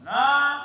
A